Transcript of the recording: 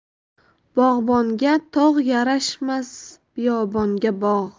bog'bonga tog' yarashmas biyobonga bog'